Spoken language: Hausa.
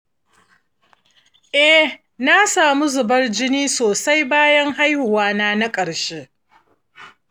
eh, na samu zubar jini sosai bayan haihuwa na na karshe